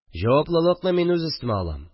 – җаваплылыкны мин үз өстемә алам